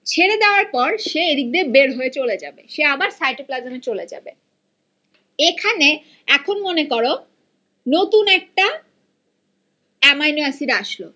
ছেড়ে দেয়ার পর সে এদিক দিয়ে বের হয়ে চলে যাবে সে আবার সাইটোপ্লাজমে চলে যাবে এখানে এখন মনে করো নতুন একটা এমাইনো এসিড আসলো